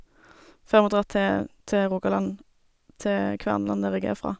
Før vi drar til til Rogaland, til Kvernaland, der jeg er fra.